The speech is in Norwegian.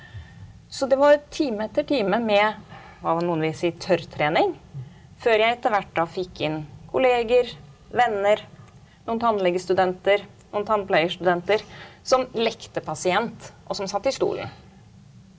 så det var time etter time med hva noen vil si tørrtrening, før jeg etter hvert da fikk inn kolleger, venner, noen tannlegestudenter, noen tannpleierstudenter som lekte pasient og som satt i stolen.